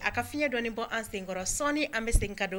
A ka fiɲɛ dɔnɔnin bɔ an sen kɔrɔ sɔɔni an bɛ sen ka don